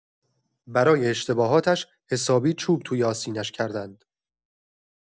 برای اشتباهش حسابی چوب توی آستینش کردند.